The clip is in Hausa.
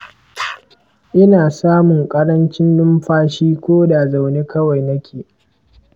ina samun ƙarancin numfashi ko da zaune kawai nake